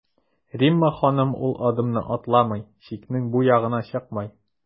Римма ханым ул адымны атламый, чикнең бу ягына чыкмый.